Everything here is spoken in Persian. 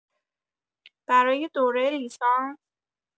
برای دوره لیسانس؟